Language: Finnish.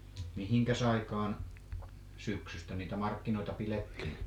mihinkäs aikaan syksystä niitä markkinoita pidettiin